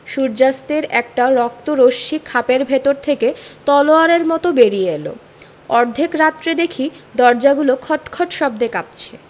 সূর্য্যাস্তের একটা রক্ত রশ্মি খাপের ভেতর থেকে তলোয়ারের মত বেরিয়ে এল অর্ধেক রাত্রে দেখি দরজাগুলো খটখট শব্দে কাঁপছে